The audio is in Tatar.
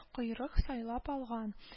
Койрык сайлап алган